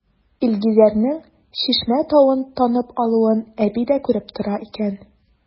Илгизәрнең Чишмә тавын танып алуын әби дә күреп тора икән.